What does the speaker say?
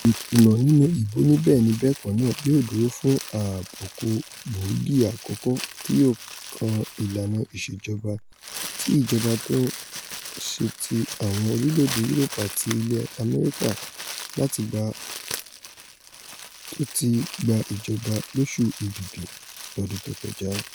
Ìkùnà nínú ìbò oníbẹ́ẹ̀ni-bẹ́ẹ̀kọ́ náà yóò duro fún àbùkù gbòógì àkọ́kọ́ tí yóò kan ìlànà ìṣèjọba ti ìjọba tó ńṣeti awọn orílẹ̀-èdè Yuroopu ati ilẹ Amẹ́ríkà látígbà tóti gba ìjọba lóṣù Ẹ̀bibi lọ́dún tó kọjá.